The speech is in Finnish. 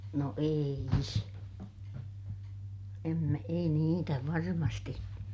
no ei - en minä ei niitä varmasti